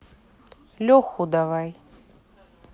леху давай